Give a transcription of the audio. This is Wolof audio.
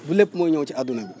du lépp mooy ñëw ci adduna b